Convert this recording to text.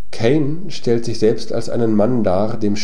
Caine stellt sich selbst als einen Mann dar, dem